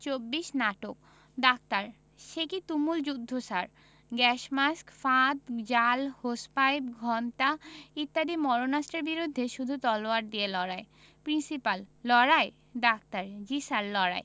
২৪ নাটক ডাক্তার সেকি তুমুল যুদ্ধ স্যার গ্যাস মাস্ক ফাঁদ জাল হোস পাইপ ঘণ্টা ইত্যাদি মারণাস্ত্রের বিরুদ্ধে শুধু তলোয়ার দিয়ে লড়াই প্রিন্সিপাল লড়াই ডাক্তার জ্বী স্যার লড়াই